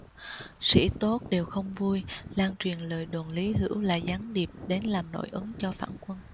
sĩ tốt đều không vui lan truyền lời đồn lý hữu là gián điệp đến làm nội ứng cho phản quân